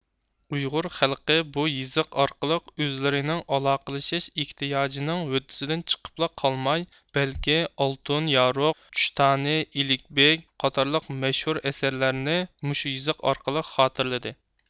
ئۇيغۇر خەلقى بۇ يېزىق ئارقىلىق ئۆزلىرىنىڭ ئالاقىلىشىش ئېھتىياجىنىڭ ھۆددىسىدىن چىقىپلا قالماي بەلكى ئالتۇن يارۇق چۈشتانى ئىلىك بىگ قاتارلىق مەشھۇر ئەسەرلەرنى مۇشۇ يېزىق ئارقىلىق خاتىرىلىدى